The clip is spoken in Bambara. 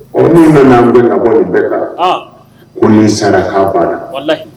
bɛɛ kan ko ni saraka ban na.